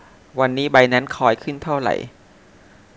วันนี้ไบแนนซ์คอยขึ้นเท่าไหร่